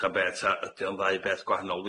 'Ta be' ta ydi o'n ddau beth gwahanol?